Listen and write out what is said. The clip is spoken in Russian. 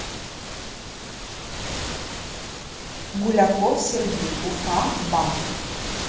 гуляков сергей уфа банк